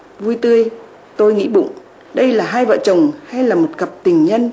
vui tươi tôi nghĩ bụng đây là hai vợ chồng hay là một cặp tình nhân